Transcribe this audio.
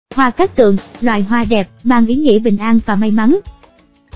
hoa cát tường loài hoa đẹp mang ý nghĩa bình an và may mắn